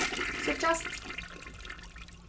síggjast